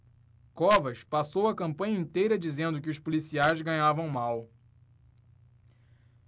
covas passou a campanha inteira dizendo que os policiais ganhavam mal